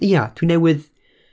ond ia, dwi newydd...